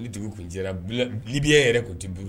Olu tugu kun jɛralibbiya yɛrɛ tun tɛuru